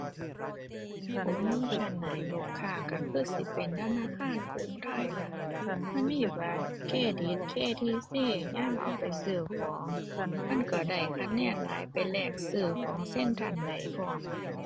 โปรโมชันให้ลูกค้าก็คือสิเป็นธนาคารกรุงไทยล่ะ มันมีบัตรเครดิต KTC ยามเอาไปซื้อของ มันก็ได้คะแนนหลาย ไปแลกซื้อของเซ็นทรัลได้พร้อม